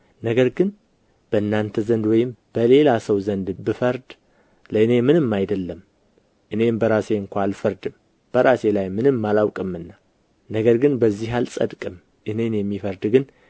ነገር ግን በእናንተ ዘንድ ወይም በሌላ ሰው ዘንድ ብፈረድ ለእኔ ምንም አይደለም እኔም በራሴ እንኳ አልፈርድም በራሴ ላይ ምንም አላውቅምና ነገር ግን በዚህ አልጸድቅም እኔን የሚፈርድ ግን